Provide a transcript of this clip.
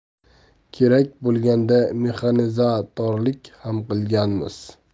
kerak bo'lganda mexanizatorlik ham qilganmiz